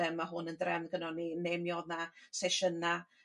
yy ma' hwn yn drefn gynnon ni ne' mi odd 'na sesiyna